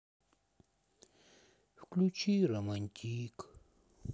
включи романтик